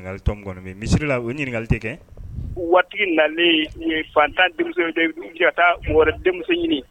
Kali kɔnɔ misisiri la u ɲininkakali tɛ kɛ waati nalen ye fantan denmisɛnnin de cɛta mori denmuso ɲini